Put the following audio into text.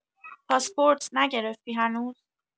پاسپورت نگرفتی هنوز؟